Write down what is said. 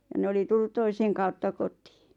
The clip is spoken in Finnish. ja ne oli tullut toisen kautta kotiin